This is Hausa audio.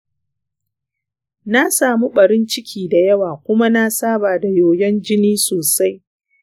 na samu ɓarin-ciki da yawa kuma na saba da yoyon jini sosai